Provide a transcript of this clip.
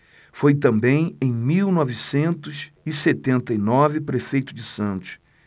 foi também em mil novecentos e setenta e nove prefeito de santos